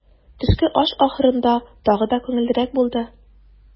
Төшке аш ахырында тагы да күңеллерәк булды.